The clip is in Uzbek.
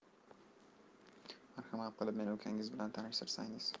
marhamat qilib meni ukanggiz bilan tanishtirsangiz